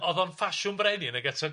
...o'dd o'n ffasiwn brenin ag eto